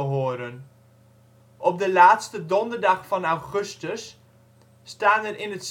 horen. Op de laatste donderdag van augustus staan er in